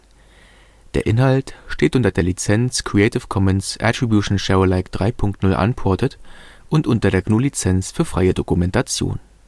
Inhalt steht unter der Lizenz Creative Commons Attribution Share Alike 3 Punkt 0 Unported und unter der GNU Lizenz für freie Dokumentation